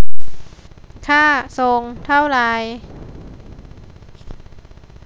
ค่าส่งเท่าไหร่